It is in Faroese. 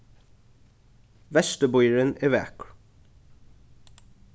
vesturbýurin er vakur